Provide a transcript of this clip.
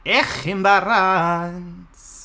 'y chi'n barod?